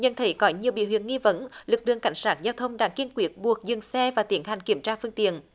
nhận thấy có nhiều biểu hiện nghi vấn lực lượng cảnh sát giao thông đã kiên quyết buộc dừng xe và tiến hành kiểm tra phương tiện